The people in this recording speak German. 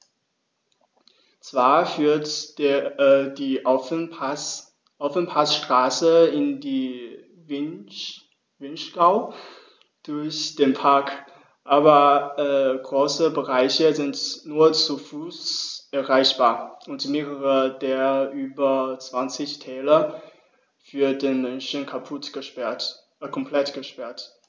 Zwar führt die Ofenpassstraße in den Vinschgau durch den Park, aber große Bereiche sind nur zu Fuß erreichbar und mehrere der über 20 Täler für den Menschen komplett gesperrt.